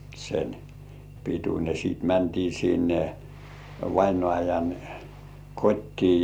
sen pituinen sitten mentiin sinne vainajan kotiin